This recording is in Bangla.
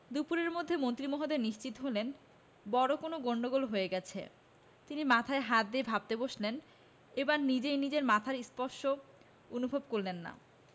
দুপুরের মধ্যে মন্ত্রী মহোদয় নিশ্চিত হলেন বড় কোনো গন্ডগোল হয়ে গেছে তিনি মাথায় হাত দিয়ে ভাবতে বসলেন এবার নিজেই নিজের মাথার স্পর্শ অনুভব করলেন না